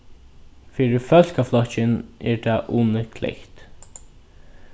fyri fólkaflokkin er tað uni klett